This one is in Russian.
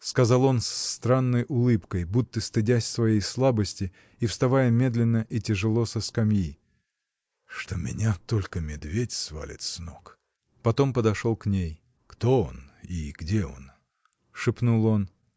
— сказал он с странной улыбкой, будто стыдясь своей слабости и вставая медленно и тяжело со скамьи, — что меня только медведь свалит с ног! Потом подошел к ней. — Кто он и где он? — шепнул он.